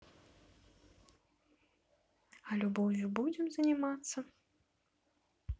а любовью будем заниматься